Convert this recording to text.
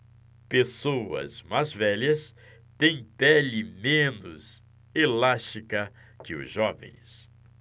pessoas mais velhas têm pele menos elástica que os jovens